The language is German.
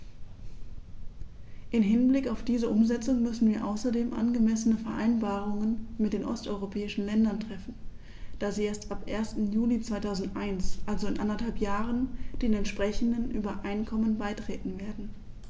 Im Hinblick auf diese Umsetzung müssen wir außerdem angemessene Vereinbarungen mit den osteuropäischen Ländern treffen, da sie erst ab 1. Juli 2001, also in anderthalb Jahren, den entsprechenden Übereinkommen beitreten werden.